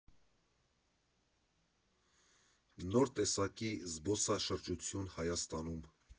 Նոր տեսակի զբոսաշրջություն Հայաստանում։